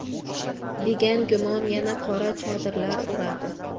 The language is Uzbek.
degan gumon yana qora chodirga o'radi